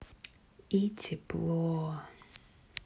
и тепло